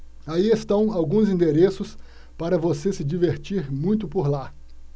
aí estão alguns endereços para você se divertir muito por lá